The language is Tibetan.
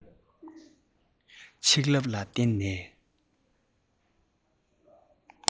ཆིག ལབ ལ བརྟེན ནས